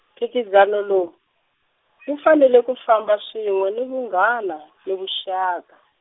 mphikizano lowu, wu fanela ku famba swin'we ni vunghana ni vuxaka.